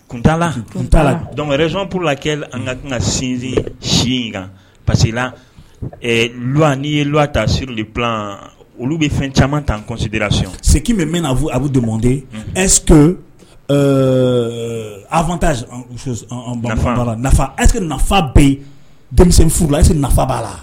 Kun t' dɔn resonɔnpurula kɛlen an ka kan ka sinsin si in kan parce l' ye l ta siri de pan olu bɛ fɛn caman tan kunsidirasi segugin bɛ mɛn' fɔ abu donden ɛp eee a nafa ayise nafa bɛ denmisɛn furu ayise nafa b'a la